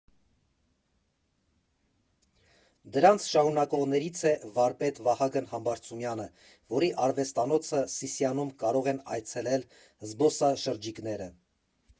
Դրանց շարունակողներից է վարպետ Վահագն Համբարձումյանը, որի արվեստանոցը Սիսիանում կարող են այցելել զբոսաշրջիկները։